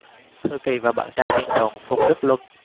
thư kỳ và bạn trai tin đồn phùng đức luân